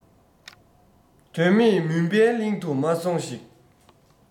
དོན མེད མུན པའི གླིང དུ མ སོང ཞིག